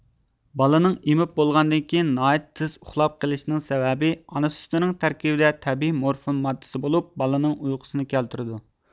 بالىنىڭ ئېمىپ بولغاندىن كېيىن ناھايىتى تېز ئۇخلاپ قېلىشىنىڭ سەۋەبى ئانا سۈتىنىڭ تەركىبىدە تەبىئىي مورفىن ماددىسى بولۇپ بالىنىڭ ئۇيقۇسىنى كەلتۈرىدۇ